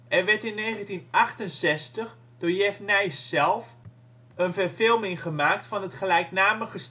Er werd in 1968, door Jef Nys zelf, een verfilming gemaakt van het gelijknamige